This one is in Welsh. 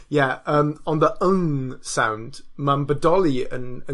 Ie, yym ond y yng sound ma'n bodoli yn yn